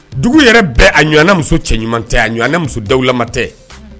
Dugu yɛrɛ bɛ a ɲɔgɔnɛ muso cɛ ɲuman tɛ a ɲɔgɔnɛ muso dalama tɛ